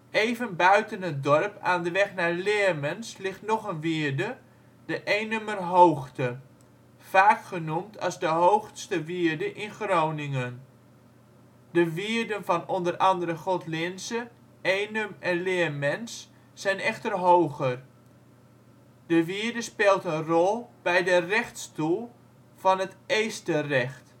Even buiten het dorp, aan de weg naar Leermens ligt nog de wierde, de Eenumerhoogte, vaak genoemd als de hoogste wierde in Groningen. De wierden van o.a. Godlinze, Eenum en Leermens zijn echter hoger. De wierde speelt een rol bij de rechtstoel van het Eesterrecht